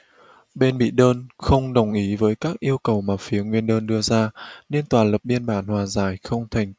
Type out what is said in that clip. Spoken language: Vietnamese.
bên bị đơn không đồng ý với các yêu cầu mà phía nguyên đơn đưa ra nên tòa lập biên bản hòa giải không thành